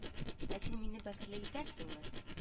Ә син мине бәхетле итәрсеңме